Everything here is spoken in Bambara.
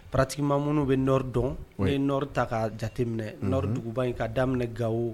Pati ma minnu bɛ nɔɔrɔ dɔn ne ye nɔɔrɔ ta ka jate minɛ n nɔɔrɔ duguba in ka daminɛ gawo